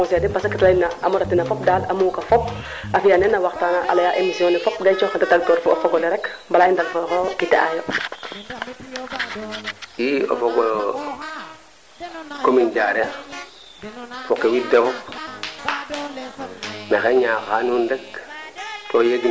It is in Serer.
fiya kee rooga bugna moytuwa ke rooga fañna o fiya ngaan rek o jangir fo roog ole leyma ndiiki o buga nga te ñof neno xoxof dufe lu dufoona ne bugoona daaw a faaxit o bug dufele neno ketonofo faaxit neen fo nu yond nuwoona rek